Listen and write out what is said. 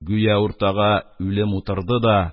Гүя уртага үлем килеп утырды да,